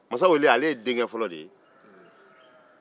masawule ye denkɛ fɔlɔ de ye